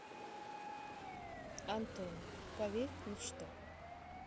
антонов поверь ничто